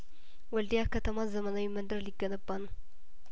ወልዲያ ከተማ ዘመናዊ መንደር ሊገነባ ነው